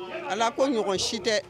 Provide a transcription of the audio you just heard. A ko ɲɔgɔn si tɛ